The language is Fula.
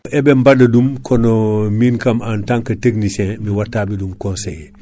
eɓe ɓaɗa ɗum konoo min kam en temps que technicien mi wattaɓe ɗum conseillé